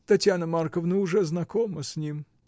Татьяна Марковна уже знакома с ним.